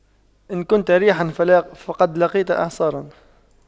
إن كنت ريحا فقد لاقيت إعصارا